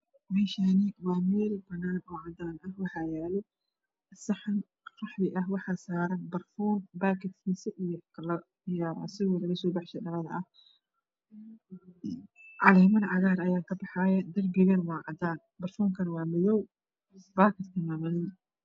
Meeshaan waa meel banaan ah oo cadaan ah waxaa yaalo saxan qaxwi ah waxaa saaran baraafuun iyo baakadkiisa. Caleeman cagaaran ayaa kabaxaayo. darbiga waa cadaan. Baraafuunka waa madow, baakadka waa madow .